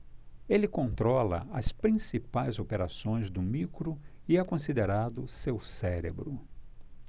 ele controla as principais operações do micro e é considerado seu cérebro